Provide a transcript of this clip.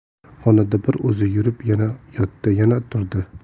xonada bir oz yurib yana yotdi yana turdi